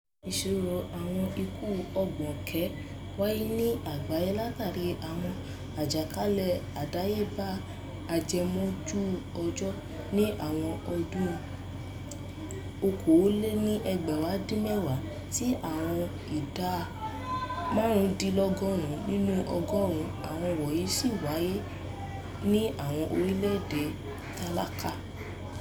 Ìṣirò àwọn ikú 600,000 wáyé ní àgbáyé látààrí àwọn àjàkálẹ̀ àdáyébá ajèmójú-ọjọ́ ní àwọn ọdún 1990 tí àwọn ìdá 95 nínú ọgọ́rùn-ún àwọn wọ̀nyìí ṣì wáyé ní àwọn orílẹ̀-èdè tálákà.